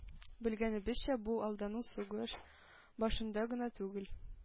Белгәнебезчә, бу алдану сугыш башында гына түгел,